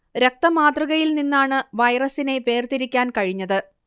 രക്ത മാതൃകയിൽ നിന്നാണ് വൈറസിനെ വേർതിരിക്കാൻ കഴിഞ്ഞത്